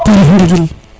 te ref ndigil